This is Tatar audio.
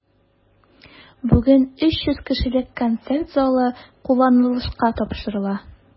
Бүген 300 кешелек концерт залы кулланылышка тапшырыла.